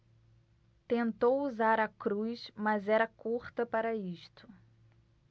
tentou usar a cruz mas era curta para isto